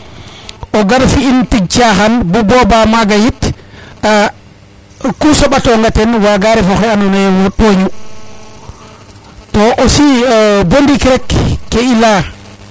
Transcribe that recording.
o gar fi in tig caxan bo boba maga yit ko soɓatonga ten waga ref oxe ando naye wo toñu to aussi bo ndiik rek ke i leya